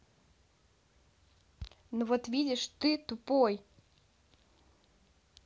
ну вот видишь ты тупой